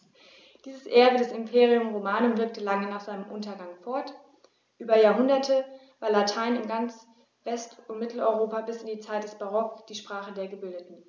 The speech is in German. Dieses Erbe des Imperium Romanum wirkte lange nach seinem Untergang fort: Über Jahrhunderte war Latein in ganz West- und Mitteleuropa bis in die Zeit des Barock die Sprache der Gebildeten.